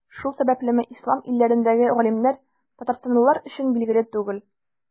Шул сәбәплеме, Ислам илләрендәге галимнәр Татарстанлылар өчен билгеле түгел.